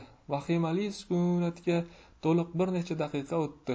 vahimali sukunatga to'liq bir necha daqiqa o'tdi